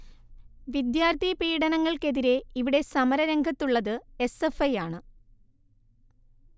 വിദ്യാർത്ഥി പീഡനങ്ങൾക്കെതിരെ ഇവിടെ സമര രംഗത്തുള്ളത് എസ് എഫ് ഐ യാണ്